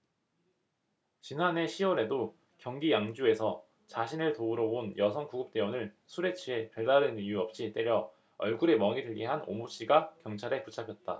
지난해 시 월에도 경기 양주에서 자신을 도우러 온 여성 구급대원을 술에 취해 별다른 이유 없이 때려 얼굴에 멍이 들게 한 오모씨가 경찰에 붙잡혔다